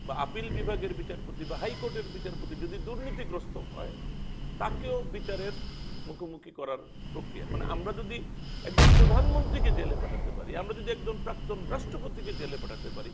appeal বিভাগের বিচারপতি বা হাইকোর্টের বিচারপতি যদি দুর্নীতিগ্রস্ত হয় তাকেও বিচারের মুখোমুখি করার প্রক্রিয়া মানে আমরা যদি একজন প্রধানমন্ত্রী কে জেলে পাঠাতে পারি আমরা যদি একজন প্রাক্তন রাষ্ট্রপতি কে জেলে পাঠাতে পারি